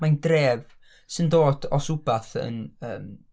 Mae'n dref sy'n dod os wbath yn ymm...